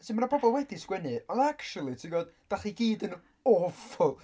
so ma' 'na pobl wedi 'sgwennu, ond actually ti'n gwybod dach chi gyd yn awful!